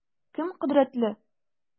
Кем кодрәтле?